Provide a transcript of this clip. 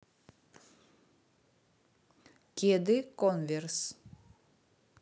кеды конверс